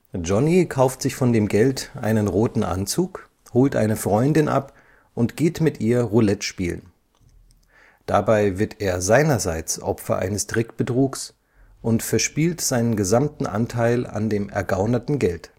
Johnny kauft sich von dem Geld einen roten Anzug, holt eine Freundin ab und geht mit ihr Roulette spielen. Dabei wird er seinerseits Opfer eines Trickbetrugs und verspielt seinen gesamten Anteil an dem ergaunerten Geld